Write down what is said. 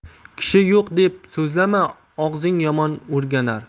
kishi yo'q deb so'zlama og'zing yomon o'rganar